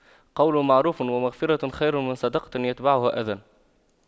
قَولٌ مَّعرُوفٌ وَمَغفِرَةُ خَيرٌ مِّن صَدَقَةٍ يَتبَعُهَا أَذًى